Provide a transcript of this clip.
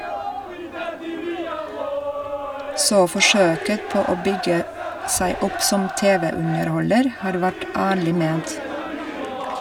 Så forsøket på å bygge seg opp som TV-underholder har vært ærlig ment.